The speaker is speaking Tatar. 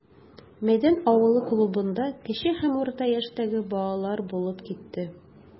Мәйдан авылы клубында кече һәм урта яшьтәге балалар булып китте.